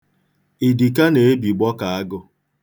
Idika na-ebigbo ka agụ.